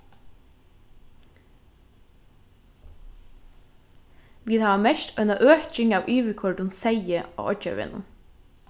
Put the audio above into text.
vit hava merkt eina øking av yvirkoyrdum seyði á oyggjarvegnum